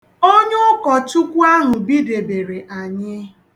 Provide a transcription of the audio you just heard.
Onyeụkọchukwu ahụ bidebere anyị.